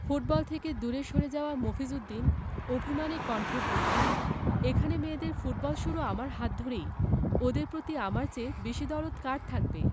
football থেকে দূরে সরে যাওয়া মফিজ উদ্দিন অভিমানী কণ্ঠে বললেন এখানে মেয়েদের ফুটবল শুরু আমার হাত ধরেই ওদের প্রতি আমার চেয়ে বেশি দরদ কার থাকবে